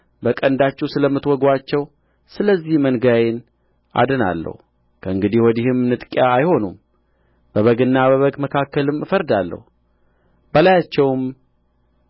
በቀንዳችሁ ስለምትወጉአቸው ስለዚህ መንጋዬን አድናለሁ ከእንግዲህ ወዲህም ንጥቂያ አይሆኑም በበግና በበግ መካከልም እፈርዳለሁ በላያቸውም